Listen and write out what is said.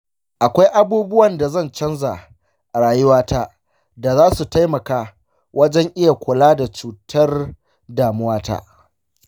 akwai abubuwan da zan canja a rayuwata da za su taimaka wajen iya kula da cutar damuwata?